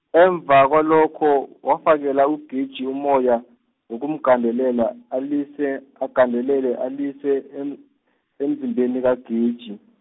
emva kwalokho wafakela UGiji umoya, ngokumgandelela alise agandelele alise em- emzimbeni kaGiji.